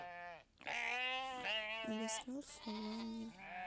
обосрался в ванне